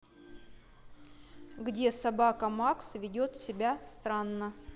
где собака макс ведет себя странно